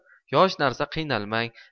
yosh narsa qiynalmang